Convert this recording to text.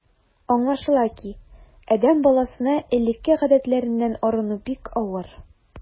Аңлашыла ки, адәм баласына элекке гадәтләреннән арыну бик авыр.